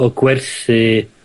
o gwerthu